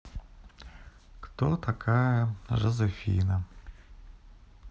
кто такая жозефина